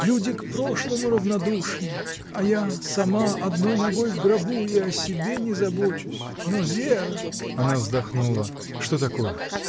Люди к прошлому равнодушны — а я сама одной ногой в гробу и о себе не забочусь. Но Вера. Она вздохнула. — Что такое?